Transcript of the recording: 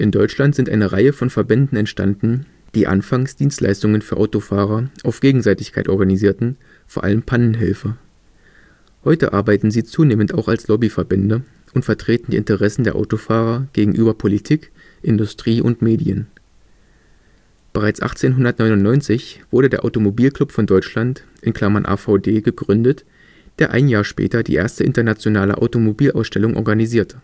Deutschland sind eine Reihe von Verbänden entstanden, die anfangs Dienstleistungen für Autofahrer auf Gegenseitigkeit organisierten, vor allem Pannenhilfe. Heute arbeiten sie zunehmend auch als Lobby-Verbände und vertreten die Interessen der Autofahrer gegenüber Politik, Industrie und Medien. Bereits 1899 wurde der Automobilclub von Deutschland (AvD) gegründet, der ein Jahr später die erste Internationale Automobilausstellung organisierte